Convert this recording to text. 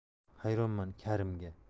hayronman karimga